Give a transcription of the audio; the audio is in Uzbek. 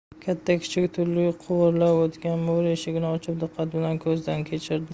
katta kichik turli quvurlar o'tgan mo'ri eshigini ochib diqqat bilan ko'zdan kechirdi